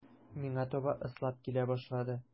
Миңа таба ыслап килә башлады.